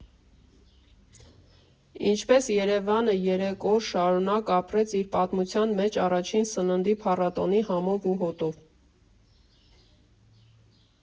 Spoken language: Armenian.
Ինչպես Երևանը երեք օր շարունակ ապրեց իր պատմության մեջ առաջին սննդի փառատոնի համով ու հոտով։